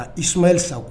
Isimayɛli Sako